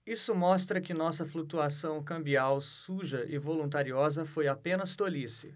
isso mostra que nossa flutuação cambial suja e voluntariosa foi apenas tolice